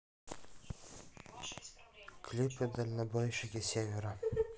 клипы дальнобойщики севера